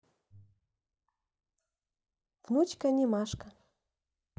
внучка анимашка